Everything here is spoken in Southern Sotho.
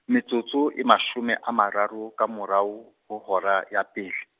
metsotso, e mashome a mararo, ka morao, ho hora ya pele.